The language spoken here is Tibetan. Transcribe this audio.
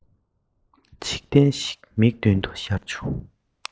འཇིག རྟེན ཞིག མིག མདུན དུ ཤར བྱུང